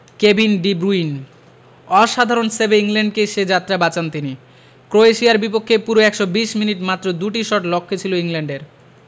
Kevin De Bruyne অসাধারণ সেভে ইংল্যান্ডকে সে যাত্রা বাঁচান তিনি ক্রোয়েশিয়ার বিপক্ষে পুরো ১২০ মিনিট মাত্র দুটি শট লক্ষ্যে ছিল ইংল্যান্ডের